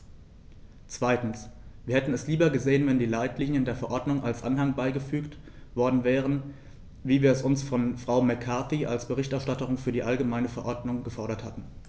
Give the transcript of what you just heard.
Zweitens: Wir hätten es lieber gesehen, wenn die Leitlinien der Verordnung als Anhang beigefügt worden wären, wie wir es von Frau McCarthy als Berichterstatterin für die allgemeine Verordnung gefordert hatten.